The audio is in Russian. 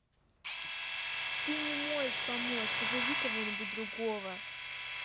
ты не можешь помочь позови кого нибудь другого